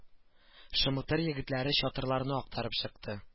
Шымытыр егетләре чатырларны актарып чыкты